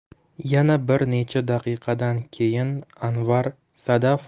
yana bir necha daqiqadan keyin anvar sadaf